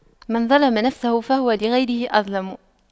من ظَلَمَ نفسه فهو لغيره أظلم